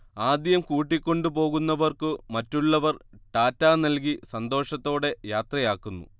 ആദ്യം കൂട്ടിക്കൊണ്ടുപോകുന്നവർക്കു മറ്റുള്ളവർ ടാറ്റാ നൽകി സന്തോഷത്തോടെ യാത്രയാക്കുന്നു